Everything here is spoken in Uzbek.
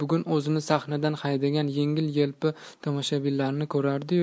bugun o'zini sahnadan haydagan yengil yelpi tomoshabinlarni ko'rardi yu